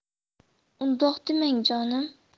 undoq demang jonim